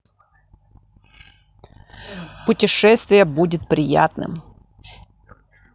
путешествие будет приятным